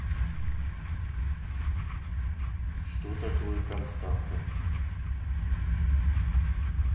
что такое константа